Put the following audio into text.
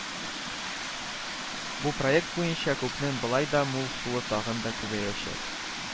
Бу проект буенча күлнең болай да мул суы тагын да күбәячәк